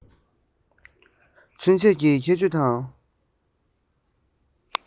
ཚུན ཆད ཀྱི ཁྱད ཆོས དང